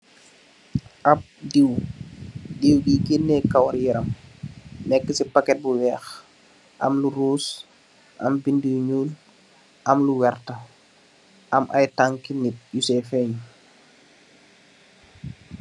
Ap diw, diw buy gèneh kawarru yaram nekka ci paket bu wèèx am lu ruus am bindi yu ñuul am lu werta am tanki nit yu sèè feñ.